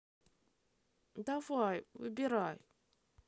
давай выбирай